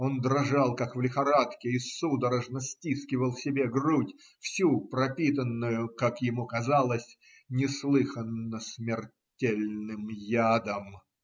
Он дрожал как в лихорадке и судорожно стискивал себе грудь, всю пропитанную, как ему казалось, неслыханно смертельным ядом.